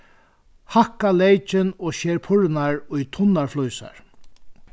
hakka leykin og sker purrurnar í tunnar flísar